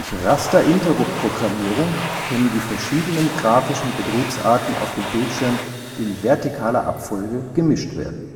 Rasterinterrupt-Programmierung können die verschiedenen grafischen Betriebsarten auf dem Bildschirm in vertikaler Abfolge gemischt werden